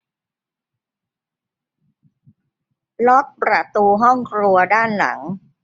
ล็อกประตูห้องครัวด้านหลัง